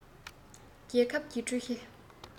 རྒྱལ ཁབ ཀྱི ཀྲུའུ ཞི